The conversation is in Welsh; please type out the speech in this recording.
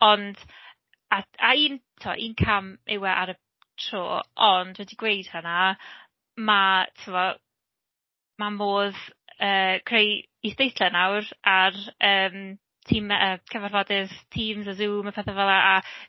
Ond, a a un tibod un cam yw e ar y tro, ond wedi gweud hynna, ma' tibod ma' modd yy creu isdeitlau nawr ar yym timau yy cyfarfodydd Teams a Zoom a pethe fela a...